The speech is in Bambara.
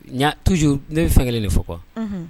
Tu ne bɛ fɛn kelen de fɔ qu